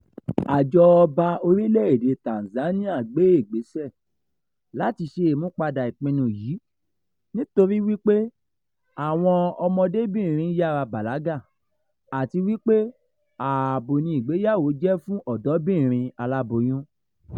Àjọ ọba orílẹ̀ èdèe Tanzania gbéègbésẹ̀ láti ṣe ìmúpadà ìpinnu yìí, nítorí wípé àwọn ọmọdébìnrin ń yára bàlágà àti wípé ààbò ni ìgbéyàwó jẹ́ fún ọ̀dọ́bìnrin aláboyún.